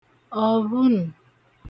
ọ̀vụnə̀